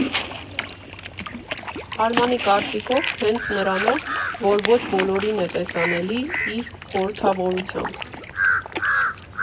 Արմանի կարծիքով, հենց նրանով, որ ոչ բոլորին է տեսանելի, իր խորհրդավորությամբ։